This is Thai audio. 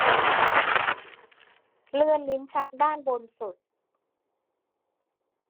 เลื่อนลิ้นชักด้านบนสุด